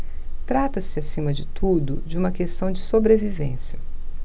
trata-se acima de tudo de uma questão de sobrevivência